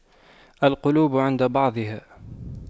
القلوب عند بعضها